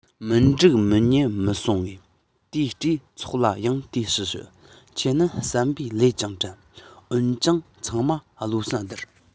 མི འགྲིག མི ཉན མི གསུང ངེད སྤྲེལ ཚོགས ལ ཡང དེ བཞིན ཞུ ཁྱོད རྣམས བསམ པ ལོས ཀྱང དྲན འོན ཀྱང ཚང མ བློ སེམས སྡུར